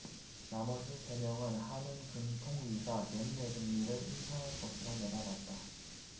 나머지 세 명은 한은 금통위가 연내 금리를 인상할 것으로 내다봤다